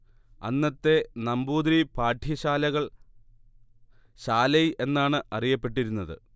അന്നത്തെ നമ്പൂതിരി പാഠ്യശാലകൾ ശാലൈ എന്നാണ് അറിയപ്പെട്ടിരുന്നത്